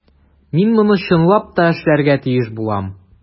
Мин моны чынлап та эшләргә тиеш булам.